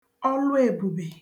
ọlụèbùbè